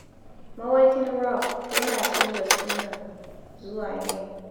Mawaƙin Rap yana canza sunan - zuwa Ye.